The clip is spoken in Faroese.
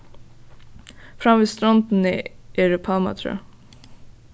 fram við strondini eru pálmatrø